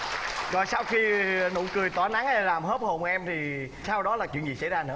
và sau khi nụ cười tỏa nắng làm hớp hồn em thì sau đó là chuyện gì xảy ra nữa